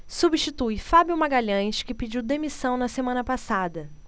substitui fábio magalhães que pediu demissão na semana passada